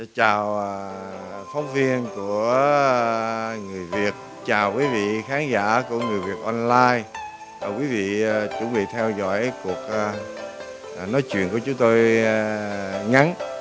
xin chào phóng viên của người việt chào quý vị khán giả của người việt on lai ờ quý vị chuẩn bị theo dõi cuộc nói chuyện của chúng tôi ngắn